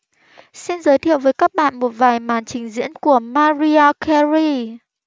xin giới thiệu với các bạn một vài màn trình diễn của mariah carey